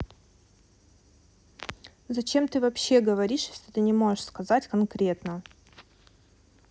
зачем ты вообще говоришь если ты не можешь сказать конкретно